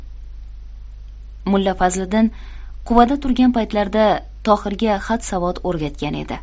mulla fazliddin quvada turgan paytlarida tohirga xat savod o'rgatgan edi